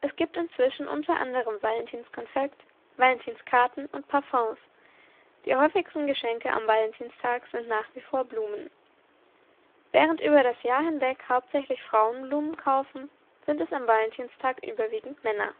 gibt inzwischen unter anderem Valentinskonfekt, Valentinskarten und Parfums, die häufigsten Geschenke am Valentinstag sind nach wie vor Blumen. Während über das Jahr hinweg hauptsächlich Frauen Blumen kaufen, sind es am Valentinstag überwiegend Männer